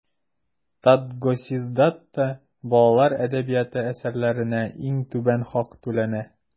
Татгосиздатта балалар әдәбияты әсәрләренә иң түбән хак түләнә.